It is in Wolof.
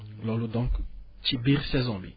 loolu donc ci biir saison bi